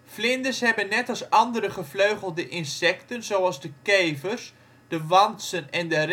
Vlinders hebben net als andere gevleugelde insecten zoals de kevers, de wantsen en de